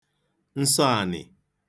nsọànị̀